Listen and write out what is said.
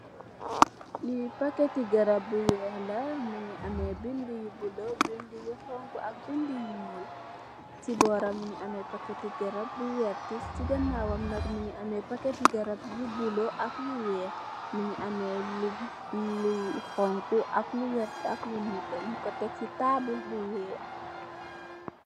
Li paketi garab yu wexla mugi ame binde yu bula ak yu xonxu njul ci buram mugi ame paketi garab bu wert ci ganawam mugi ame paketi garab yu bula ak yu wex lu xonxu ak lu wert ak lu nete njong ko tek ci tabal bu wex